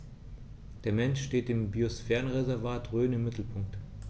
Der Mensch steht im Biosphärenreservat Rhön im Mittelpunkt.